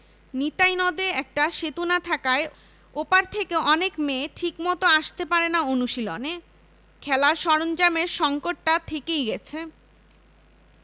নিতাই নদে একটা সেতু না থাকায় ও পার থেকে অনেক মেয়ে ঠিকমতো আসতে পারে না অনুশীলনে খেলার সরঞ্জামের সংকটটা থেকেই গেছে